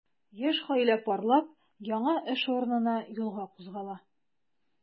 Яшь гаилә парлап яңа эш урынына юлга кузгала.